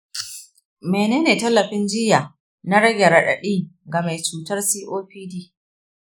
mene ne tallafin jiya na rage radadi ga mai cutar copd?